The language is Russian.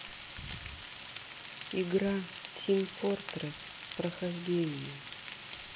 игра тим фортресс прохождение